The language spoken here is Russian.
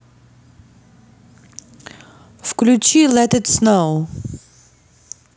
включи лет ит сноу